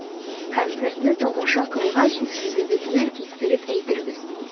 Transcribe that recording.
Концертны тамаша кылгач, сүзебезне кистереп әйтербез.